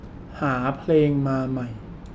หาเพลงมาใหม่